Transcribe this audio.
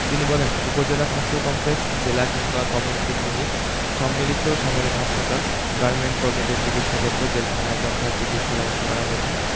তিনি বলেন উপজেলা স্বাস্থ্য কমপ্লেক্স জেলা কিংবা কমিউনিটি ক্লিনিক সম্মিলিত সামরিক হাসপাতাল গার্মেন্টকর্মীদের চিকিৎসাকেন্দ্র জেলখানায় যক্ষ্মার চিকিৎসা ব্যবস্থা করা হয়েছে